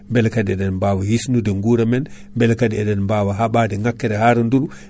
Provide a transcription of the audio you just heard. bele kaadi eɗen bawa hisnude gura men ,bele kaadi eɗen bawa haɓade ŋakkere haraduru